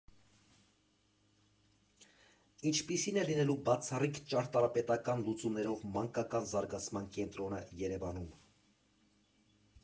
Ինչպիսին է լինելու բացառիկ ճարտարապետական լուծումներով մանկական զարգացման կենտրոնը Երևանում։